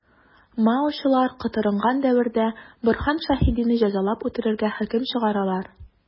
Маочылар котырынган дәвердә Борһан Шәһидине җәзалап үтерергә хөкем чыгаралар.